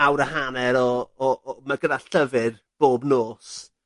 awr a hanner o o o 'ma gyda llyfyr bob nos